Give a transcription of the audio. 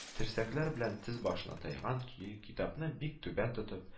Терсәкләр белән тез башына таянган көе, китапны бик түбән тотып